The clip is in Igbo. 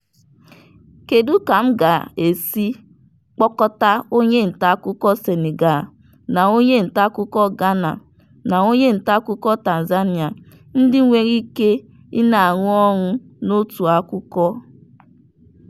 "Kedu ka m ga-esi kpọkọta onye ntaakụkọ Senegal, na onye ntaakụkọ Ghana na onye ntaakụkọ Tanzania ndị nwere ike ị na-arụ ọrụ n'otu akụkọ?